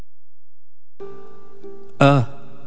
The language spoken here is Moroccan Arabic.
اه